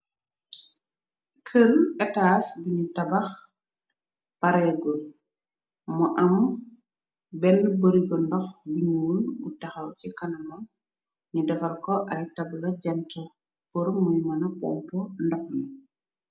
Kël etas biñu tabax pareegul mu am benn bari ko ndox biñuon bu taxaw ci kanamo ni defar ko ay tabla jant për muy mëna pomp ndox mi.